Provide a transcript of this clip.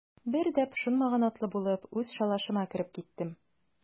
Бер дә пошынмаган атлы булып, үз шалашыма кереп киттем.